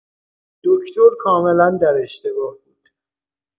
دکتر کاملا در اشتباه بود.